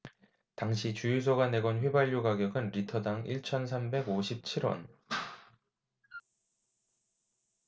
당시 주유소가 내건 휘발유 가격은 리터당 일 천 삼백 오십 칠 원